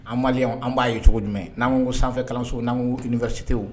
An mali an b'a ye cogo jumɛn n'an ko sanfɛkalanso n'an ko kifasitew